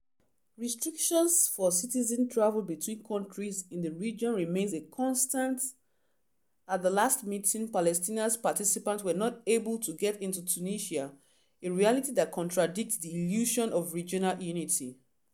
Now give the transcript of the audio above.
Restrictions for citizen travel between countries in the region remains a constant (at the last meeting, Palestinian participants were not able to get into Tunisia) a reality that contradicts the illusion of regional unity.